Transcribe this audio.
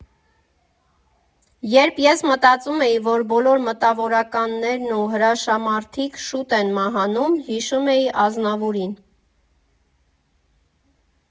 Երբ ես մտածում էի, որ բոլոր մտավորականներն ու հրաշամարդիկ շուտ են մահանում, հիշում էի Ազնավուրին։